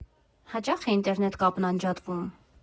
«Հաճա՞խ է ինտերնետ կապն անջատվում։